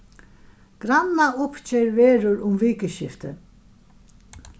grannauppgerð verður um vikuskiftið